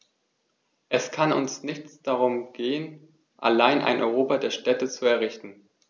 Es kann uns nicht darum gehen, allein ein Europa der Städte zu errichten.